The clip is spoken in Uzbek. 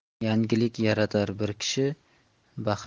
yangilik yaratar bir kishi